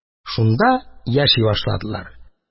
Шунда яши башладылар.